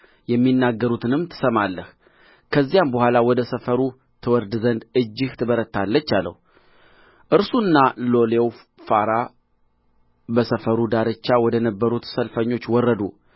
የሚናገሩትንም ትሰማለህ ከዚያም በኋላ ወደ ሰፈሩ ትወርድ ዘንድ እጅህ ትበረታለች አለው እርሱና ሎሌው ፉራ በሰፈሩ ዳርቻ ወደ ነበሩት ሰልፈኞች ወረዱ